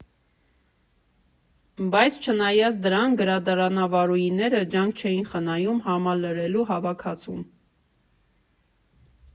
Բայց չնայած դրան՝ գրադարանավարուհիները ջանք չէին խնայում համալրելու հավաքածուն։